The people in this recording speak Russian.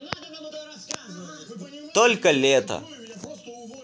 только лето